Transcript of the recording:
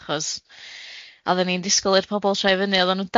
chos oddan ni'n disgwl i'r pobol troi fyny, oeddn nw